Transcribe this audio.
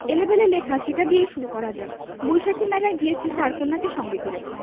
এলেবেলে লেখা সেটা দিয়েই শুরু করা যাক বৈশাখী মেলায় গিয়েছি চার কন্যাকে সঙ্গে করে